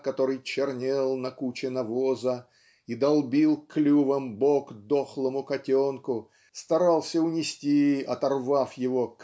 который чернел "на куче навоза" и "долбил клювом бок дохлому котенку старался унести оторвав его